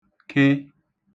ke